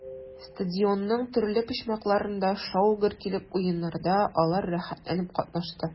Стадионның төрле почмакларында шау-гөр килеп уеннарда алар рәхәтләнеп катнашты.